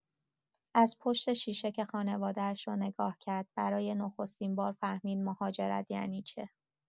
از پشت شیشه که خانواده‌اش را نگاه کرد، برای نخستین‌بار فهمید مهاجرت یعنی چه.